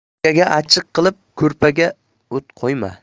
burgaga achchiq qilib ko'rpaga o't qo'yma